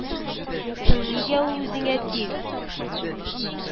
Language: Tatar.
Соң нигә ул үзеңә тиң